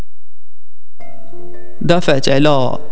دفعت علاء